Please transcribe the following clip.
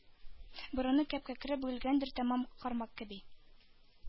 Борыны кәп-кәкре — бөгелгәндер тәмам кармак кеби;